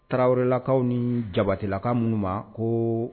Tarawelelakaw ni jabatilakan minnu ma ko